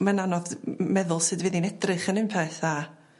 mae'n anodd m- meddwl sud fydd 'i'n edrych yn un peth a